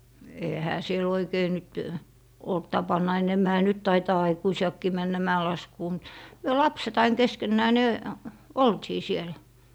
eihän siellä oikein nyt ollut tapana enemmänhän nyt taitaa aikuisiakin mennä mäenlaskuun mutta me lapset aina keskenään niin oltiin siellä